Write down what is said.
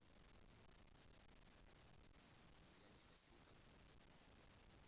но я не хочу то